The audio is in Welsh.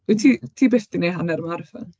Wyt ti ti byth 'di wneud hanner marathon?